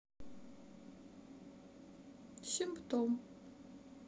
симптом